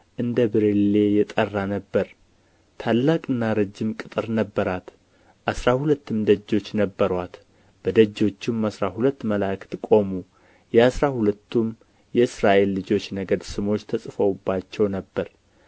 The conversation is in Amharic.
እንደ ብርሌ የጠራ ነበረ ታላቅና ረጅም ቅጥር ነበራት አሥራ ሁለትም ደጆች ነበሩአት በደጆቹም አሥራ ሁለት መላእክት ቆሙ የአሥራ ሁለቱም የእስራኤል ልጆች ነገዶች ስሞች ተጽፈውባቸው ነበር